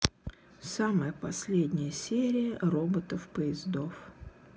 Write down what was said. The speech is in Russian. самая последняя серия роботов поездов